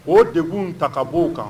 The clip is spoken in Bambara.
O degun ta ka b'o kan